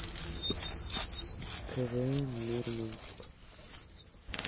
квн мурманск